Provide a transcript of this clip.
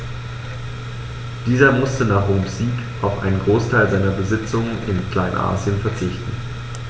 Dieser musste nach Roms Sieg auf einen Großteil seiner Besitzungen in Kleinasien verzichten.